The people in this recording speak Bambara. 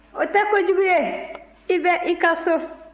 o tɛ ko jugu ye i bɛ i ka so